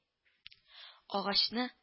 – агачны